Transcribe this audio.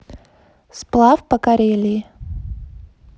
сплав по карелии